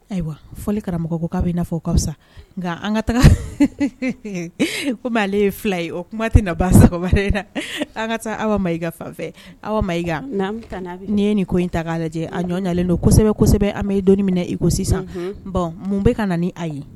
Ayiwa fɔ karamɔgɔ ko k'a bɛ na fɔ ka sa nka an ka taga kɔmi ale ye fila ye o kuma tɛ na ba saba wɛrɛ na an ka taa aw ma i ka fan aw ma nii ye nin ko in ta'a lajɛ a ɲɔlen don kosɛbɛsɛbɛ an ye donmina iko sisan bon mun bɛka ka na ni a ye